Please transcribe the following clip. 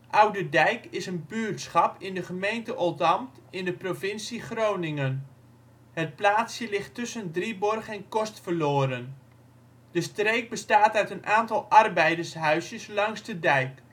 Oudedijk is een buurtschap in de gemeente Oldambt in de provincie Groningen. Het plaatsje ligt tussen Drieborg en Kostverloren. De streek bestaat uit een aantal arbeidershuisjes langs de dijk